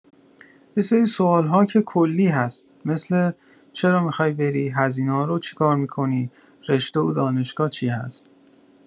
یسری سوال‌ها که کلی هست مثل، چرا میخوای بری، هزینه هارو چه کار می‌کنی، رشته و دانشگاه چی هست.